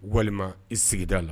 Walima i sigida'a la